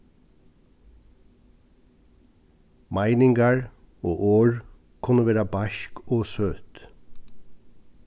meiningar og orð kunna vera beisk og søt